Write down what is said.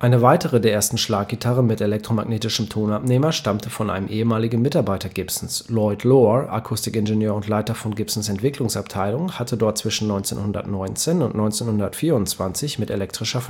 Eine weitere der ersten Schlaggitarren mit elektromagnetischem Tonabnehmer stammte von einem ehemaligen Mitarbeiter Gibsons: Lloyd Loar, Akustikingenieur und Leiter von Gibsons Entwicklungsabteilung, hatte dort zwischen 1919 und 1924 mit elektrischer